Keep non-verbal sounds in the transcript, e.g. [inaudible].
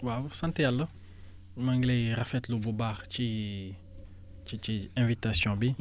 waaw sant Yàlla maa ngi lay rafetlu bu baax ci [hesitation] ci ci invitation bi